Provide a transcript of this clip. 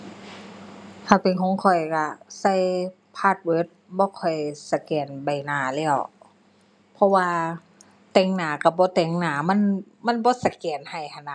ถ้าเป็นของข้อยก็ใส่พาสเวิร์ด บ่ค่อยสแกนใบหน้าแล้ว เพราะว่าแต่งหน้ากับบ่แต่งหน้ามัน มันบ่สแกนให้หั้นนะ